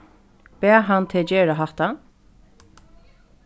bað hann teg gera hatta